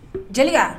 Jeliba